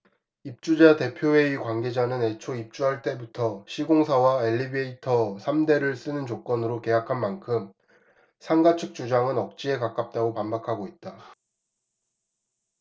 입주자 대표회의 관계자는 애초 입주할 때부터 시공사와 엘리베이터 삼 대를 쓰는 조건으로 계약한 만큼 상가 측 주장은 억지에 가깝다고 반박하고 있다